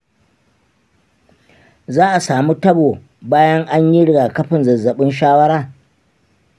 za a samu tabo bayan an yi rigakafin zazzabin shawara?